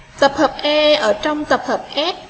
tập hợp a ở trong tập hợp f